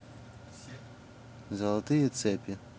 золотые цепи